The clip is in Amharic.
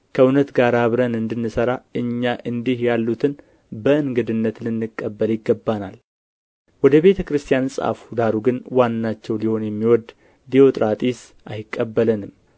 ከእውነት ጋር አብረን እንድንሠራ እኛ እንዲህ ያሉትን በእንግድነት ልንቀበል ይገባናል ወደ ቤተ ክርስቲያን ጻፍሁ ዳሩ ግን ዋናቸው ሊሆን የሚወድ ዲዮጥራጢስ አይቀበለንም